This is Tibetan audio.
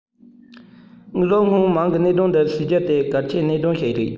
དངོས ཟོག སྔོན མངག གི གནད དོན འདི བྱེད རྒྱུ དེ གལ ཆེའི གནད དོན ཞིག ཡིན